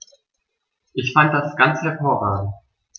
Ich fand das ganz hervorragend.